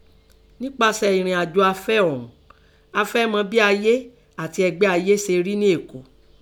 Ńpasẹ̀ èrìnàjò afẹ́ ọ̀ún, a fẹ́ẹ́ mọ bín ayé àti ẹ̀gbé ayé ṣe rí nẹ́ Èkó